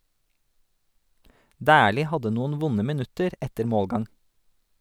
Dæhlie hadde noen vonde minutter etter målgang.